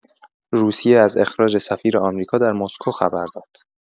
روسیه از اخراج سفیر آمریکا در مسکو خبر داد.